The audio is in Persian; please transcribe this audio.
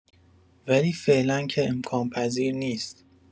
ولی فعلا که امکان‌پذیر نیست.